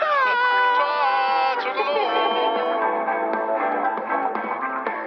Tara. Tara, twdlw!